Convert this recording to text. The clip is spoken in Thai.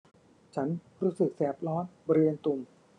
ฉันรู้สึกแสบร้อนบริเวณตุ่ม